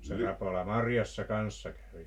se Rapola marjassa kanssa kävi